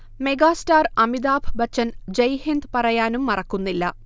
megastar Amitabh Bachchan Jai Hind പറയാനും മറക്കുന്നില്ല